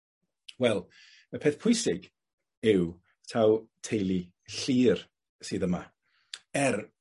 Wel y peth pwysig yw taw teulu Llŷr sydd yma, er